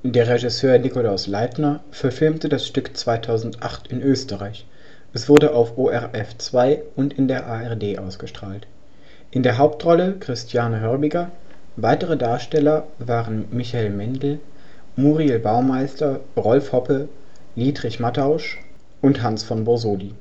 Der Regisseur Nikolaus Leytner verfilmte das Stück 2008 in Österreich, es wurde auf ORF 2 und in der ARD ausgestrahlt. In der Hauptrolle Christiane Hörbiger, weitere Darsteller waren Michael Mendl, Muriel Baumeister, Rolf Hoppe, Dietrich Mattausch und Hans von Borsody